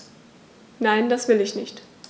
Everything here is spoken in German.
Nein, das will ich nicht.